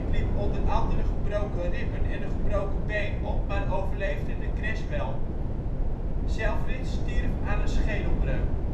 liep onder andere gebroken ribben en een gebroken been op maar overleefde de crash wel, Selfridge stierf aan een schedelbreuk